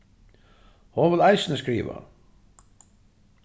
hon vil eisini skriva